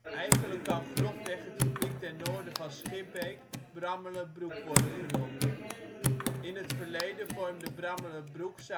Eigenlijk kan grofweg het gebied ten noorden van de Schipbeek Brammelerbroek worden genoemd. In het verleden vormde Brammelerbroek